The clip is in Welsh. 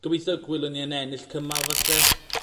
Gobeitho gwelwn ni e'n ennill cymal falle.